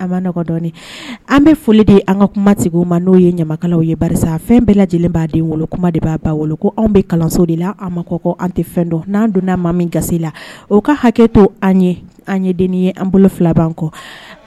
An an bɛ foli de an ka kumase ma n'o ye ɲamakalaw ye fɛn bɛɛ lajɛlen'aden wolo kuma de b'a ba wolo ko anw bɛ kalanso de la an ma kɔkɔ an tɛ fɛn dɔn n'an donna n'a ma min ga la o ka hakɛ to an ye an yeden ye an bolo filaban kɔ